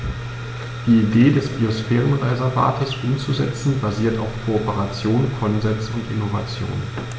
Die Idee des Biosphärenreservates umzusetzen, basiert auf Kooperation, Konsens und Innovation.